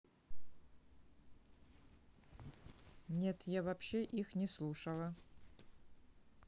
нет я вообще их не слушала